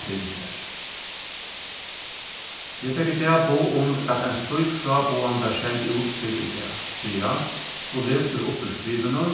fyri sær eg fekk í dag boð um at ein slík fráboðan varð send út fyrr í dag sigur hann og lesur upp úr skrivinum